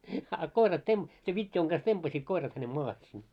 a koirat - sen vitjojen kanssa tempaisivat koirat hänen maahan sinne